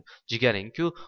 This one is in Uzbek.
jigaring ku